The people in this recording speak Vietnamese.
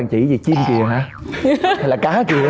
chỉ cái gì chim kìa hả hay là cá kìa